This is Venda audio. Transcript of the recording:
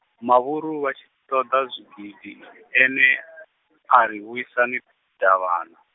mavhuru vha tshi ṱoḓa zwigidi, ene, ari vhuisani, Davhana.